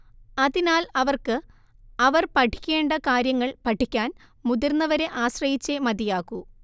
അതിനാൽ അവർക്ക് അവർ പഠിക്കേണ്ട കാര്യങ്ങൾ പഠിക്കാൻ മുതിർന്നവരെ ആശ്രയിച്ചേ മതിയാകൂ